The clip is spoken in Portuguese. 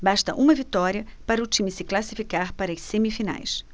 basta uma vitória para o time se classificar para as semifinais